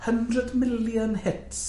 Hundred million hits?